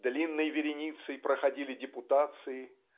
Длинной вереницей проходили депутации